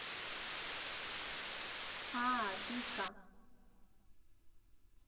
а вика